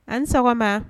An sɔgɔma